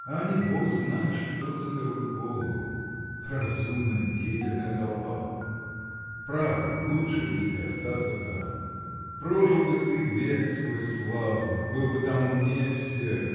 – а они бог знает что заберут в голову. разумно-деятельная толпа!! Право, лучше бы тебе остаться там. Прожил бы ты век свой славно был бы там умнее всех